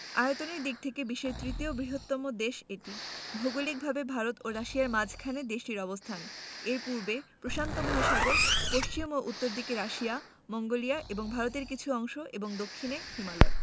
আয়তনের দিক থেকে বিশ্বের তৃতীয় বৃহত্তম দেশ এটি ভৌগলিকভাবে ভারত ও রাশিয়ার মাঝখানে দেশটির অবস্থান এর পূর্বে প্রশান্ত মহাসাগর পশ্চিম ও উত্তর দিকে রাশিয়া মঙ্গোলিয়া এবং ভারতের কিছু অংশ এবং দক্ষিনে হিমালয়